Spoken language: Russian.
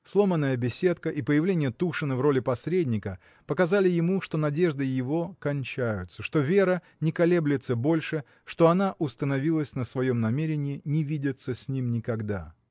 Сломанная беседка и появление Тушина в роли посредника показали ему, что надежды его кончаются, что Вера не колеблется больше, что она установилась на своем намерении не видеться с ним никогда.